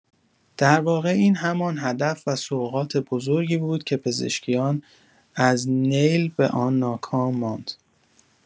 در واقع این همان هدف و سوغات بزرگی بود که پزشکیان از نیل به آن ناکام ماند.